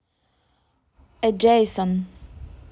а jason